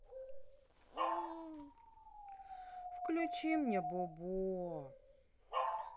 включи мне бобо